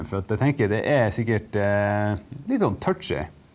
for at jeg tenker det er sikkert litt sånn touchy.